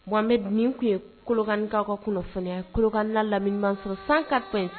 Muhammad nin tun ye Kolokanikaw ka kunnafoniy ye, Kolokani n'a lamini masɔrɔ 104.